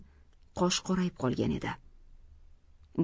qosh qorayib qolgan edi